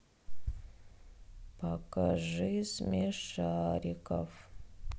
покажи смешариков